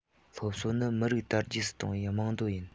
སློབ གསོ ནི མི རིགས དར རྒྱས སུ གཏོང བའི རྨང རྡོ ཡིན